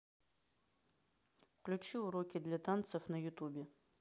включи уроки для танцев на ютубе